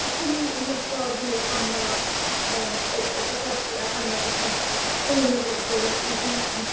Does dim un hyd yn oed ffordd i nhw i annog yym y y cystadlu a annog eu plant nhw, achos so nhw hyd yn oed yn gwybod beth yw e eu eu hunain.